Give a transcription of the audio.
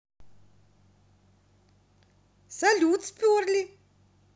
салют сперли